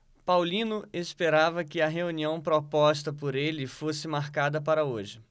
paulino esperava que a reunião proposta por ele fosse marcada para hoje